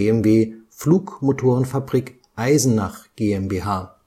BMW Flugmotorenfabrik Eisenach GmbH